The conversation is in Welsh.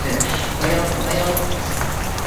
hun. Mae o'n mae o'n